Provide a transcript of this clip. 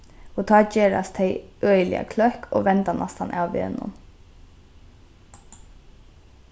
og tá gerast tey øgiliga kløkk og venda næstan av vegnum